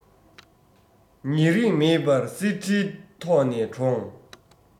ཉེ རིང མེད པར གསེར ཁྲིའི ཐོག ནས དྲོངས